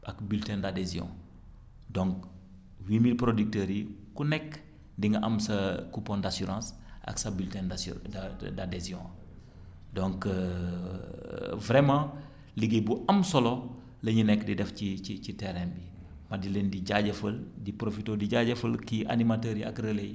ak bulletin d' adhesion donc huit mille producteurs yi ku nekk di nga am sa coupon d' assurance ak sa bulletin d' assu d' ahesion donc vraiment liggéey bu am solo la ñu nekk di def ci ci ci terrain bi ma di leen di jaajëfal di profité di jaajëfal kii animateurs yi ak relais yi